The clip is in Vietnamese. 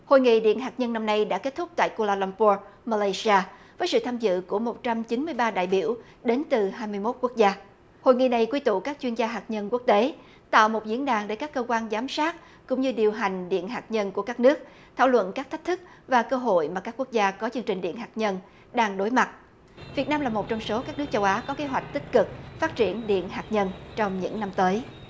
hội nghị điện hạt nhân năm nay đã kết thúc tại cua la lăm pua ma lây di a với sự tham dự của một trăm chín mươi ba đại biểu đến từ hai mươi mốt quốc gia hội nghị này quy tụ các chuyên gia hạt nhân quốc tế tạo một diễn đàn để các cơ quan giám sát cũng như điều hành điện hạt nhân của các nước thảo luận các thách thức và cơ hội mà các quốc gia có chương trình điện hạt nhân đang đối mặt việt nam là một trong số các nước châu á có kế hoạch tích cực phát triển điện hạt nhân trong những năm tới